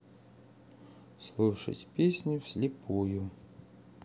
слушать песню вслепую